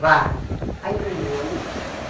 và anh muốn